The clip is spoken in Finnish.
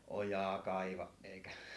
ojaa kaiva eikä